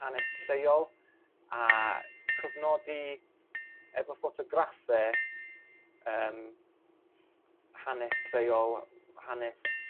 hanes lleol a cofnodi efo ffotograffe yym hanes lleol hanes